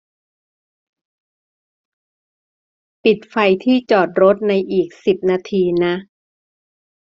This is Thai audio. ปิดไฟที่จอดรถในอีกสิบนาทีนะ